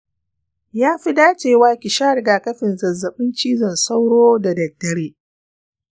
yafi dacewa ki sha rigakafin zazzaɓin cizon sauro da daddare